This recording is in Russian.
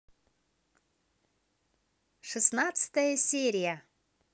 шестнадцатая серия